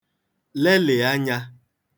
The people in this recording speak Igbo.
lelị̀ anyā